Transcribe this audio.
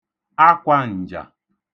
akwāǹjà